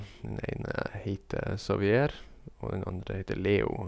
Den ene heter Xavier og den andre heter Leo.